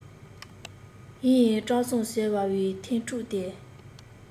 ཡིན ཡང བཀྲ བཟང ཟེར བའི ཐན ཕྲུག དེས